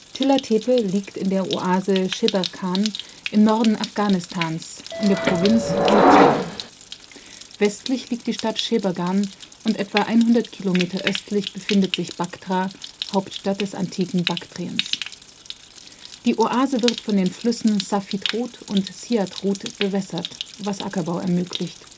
Tilla Tepe liegt in der Oase Scheberghan im Norden Afghanistans, in der Provinz Dschuzdschan. Westlich liegt die Stadt Scheberghan und etwa 100 Kilometer östlich befindet sich Baktra, Hauptstadt des antiken Baktriens. Die Oase wird von den Flüssen Safid-Rud und Siyad-Rud bewässert, was Ackerbau ermöglicht